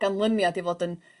ganlyniad i fod yn